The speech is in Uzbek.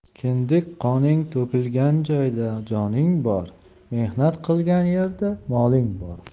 kindik qoning to'kilgan joyda joning bor mehnat qilgan yerda moling bor